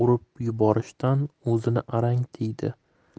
urib yuborishdan o 'zini arang tiydi